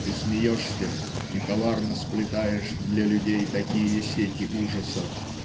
ты смеешься и коварно сплетаешь для людей такие сети ужасов